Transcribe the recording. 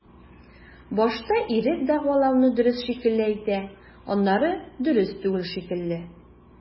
Башта ирек дәгъвалауны дөрес шикелле әйтә, аннары дөрес түгел шикелле.